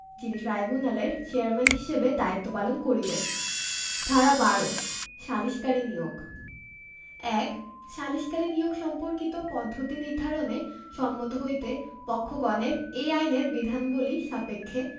যিনি ট্রাইব্যুনালের চেয়ারম্যান হিসাবে দায়িত্ব পালন করিবেন ধারা ১২ সালিসকারী নিয়োগ ১ সালিসকারী নিয়োগ সম্পর্কিত পদ্ধতি নির্ধারণে সম্মত হইতে পক্ষগণের এই আইনের বিধানবলী সাপেক্ষে